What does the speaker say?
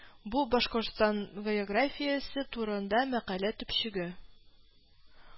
Бу Башкортстан географиясе турында мәкалә төпчеге